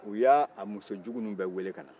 u y'a muso jugu ninnu bɛɛ wele ka na